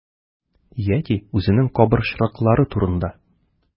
Яки үзенең кабырчрыклары турында.